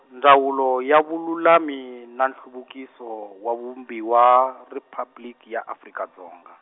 Ndzawulo ya Vululami na Nhluvukiso wa Vumbiwa Riphabliki ya Afrika Dzonga.